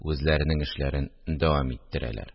Үзләренең эшләрен дәвам иттерәләр